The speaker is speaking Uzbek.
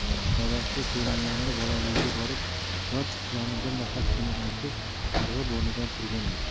dadasi ko'ringanida bolaligiga borib yot kishilarni bir nafasgina unutib irg'ib o'rnidan turgan edi